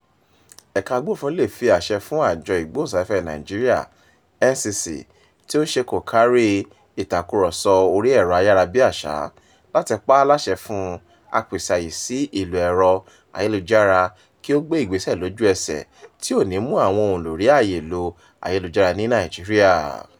Ẹ̀ka Agbófinró leè fi àṣẹ fún Àjọ Ìgbóhùnsáfẹ́fẹ́ Nàìjíríà NCC [Nigerian Communications Commission – tí ó ń ṣe bòńkárí ìtàkùrọ̀sọ orí ẹ̀rọ ayárabíàṣá] láti pa á láṣẹ fún apèsè àyè sí ìlò ẹ̀rọ ayélujára kí ó gbé ìgbésẹ̀ lójú ẹsẹ̀ tí ò ní mú àwọn òǹlò rí àyè lo ayélujára ní Nàìjíríà.